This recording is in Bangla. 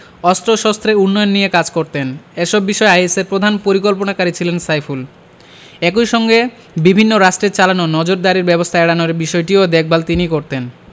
অস্ত্রশস্ত্রের উন্নয়ন নিয়ে কাজ করতেন এসব বিষয়ে আইএসের প্রধান পরিকল্পনাকারী ছিলেন সাইফুল একই সঙ্গে বিভিন্ন রাষ্ট্রের চালানো নজরদারি ব্যবস্থা এড়ানোর বিষয়টিও দেখভাল তিনিই করতেন